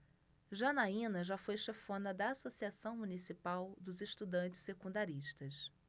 janaina foi chefona da ames associação municipal dos estudantes secundaristas